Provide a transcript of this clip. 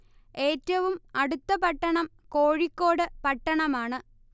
ഏറ്റവും അടുത്ത പട്ടണം കോഴിക്കോട് പട്ടണമാണ്